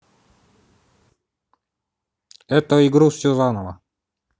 это игру все заново